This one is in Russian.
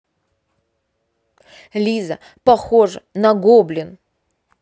лиза похоже на гоблин